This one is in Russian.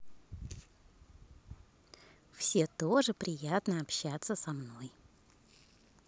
все тоже приятно общаться со мной